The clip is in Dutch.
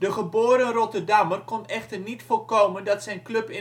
geboren Rotterdammer kon echter niet voorkomen dat zijn club